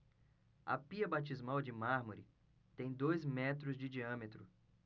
a pia batismal de mármore tem dois metros de diâmetro